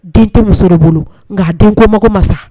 Den tɛ muso dɔ bolo nka den ko mago ma sa